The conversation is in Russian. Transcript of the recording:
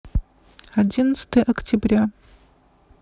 одиннадцатое октября